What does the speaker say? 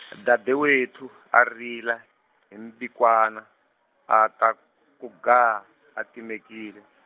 Dadewethu a rila, hi mbhikwana , a ta ku gaa, a timekile.